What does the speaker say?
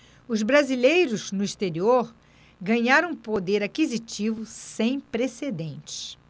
os brasileiros no exterior ganharam um poder aquisitivo sem precedentes